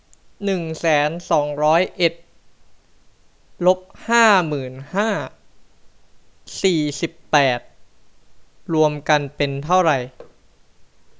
หนึ่งแสนสองร้อยเอ็ดลบห้าหมื่นห้าสี่สิบแปดรวมกันเป็นเท่าไหร่